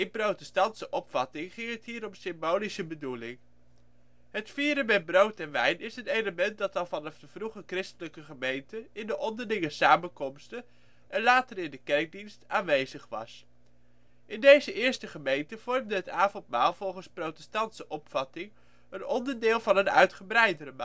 protestantse opvatting ging het hier om een symbolische bedoeling. Het vieren met brood en wijn is een element dat al vanaf de vroege christelijke gemeenten in de onderlinge samenkomsten (en later in de kerkdienst) aanwezig was. In deze eerste gemeenten vormde het avondmaal volgens protestantse opvatting een onderdeel van een uitgebreidere maaltijd